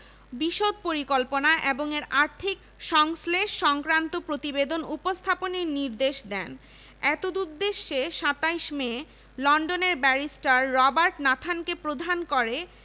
ঢাকা বিশ্ববিদ্যালয়ের জন্য একটি প্রকল্প প্রণয়ন করেন প্রস্তাবে বলা হয় যে এ বিশ্ববিদ্যালয় হবে শিক্ষাদান